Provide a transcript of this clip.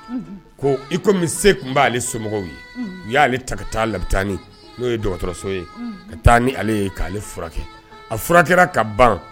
Ko i komi se tun b'ale somɔgɔw ye, u y'ale ta ka taaa n'a ye lapitani n'o ye dɔgɔtɔrɔso ye ka ta'a ni ale e k'ale furakɛ, a furakɛra ka ban